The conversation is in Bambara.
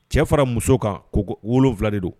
Cɛ fara muso kan ko 7 de don